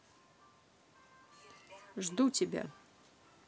жду тебя